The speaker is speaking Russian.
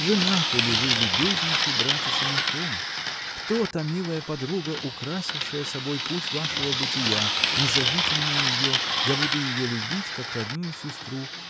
Женаты ли вы, любезнейший братец, и на ком? Кто та милая подруга украсившая собой путь вашего бытия назовите мне ее я буду ее любить как родную сестру